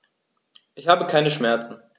Ich habe keine Schmerzen.